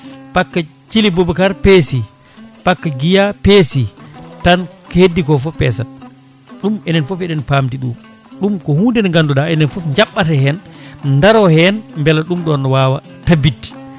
pakka Thily Boubacar peesi pakka Guiya peesi tan ko heddi ko foof peesat ɗum enen foof eɗen paamdi ɗum ɗum ko hunde nde ganduva enen foof jaɓɓata hen daaro hen beele ɗum ɗon ne wawa tabidde